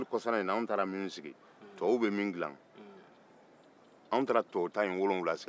hali kɔsa in anw taara tubabu ta in wolonfila siri